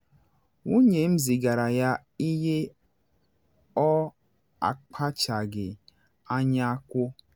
“Nwunye m zigara ya ihe ọ akpachaghị anya kwuo.